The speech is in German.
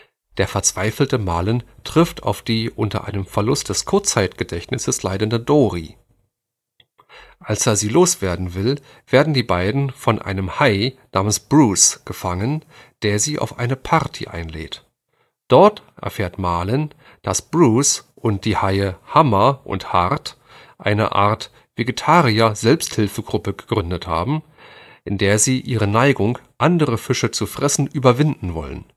Der verzweifelte Marlin trifft auf die unter einem Verlust des Kurzzeitgedächtnisses leidende Dorie. Als er sie loswerden will, werden die beiden von einem Hai namens Bruce abgefangen, der sie auf eine Party einlädt. Dort erfährt Marlin, dass Bruce und die Haie Hammer und Hart eine Art Vegetarier-Selbsthilfegruppe gegründet haben, in der sie ihre Neigung, andere Fische zu fressen, überwinden wollen